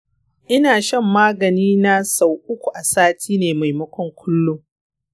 ina shan magani na sau uku a sati ne maimakon kullun.